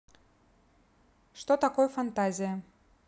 что такое фантазия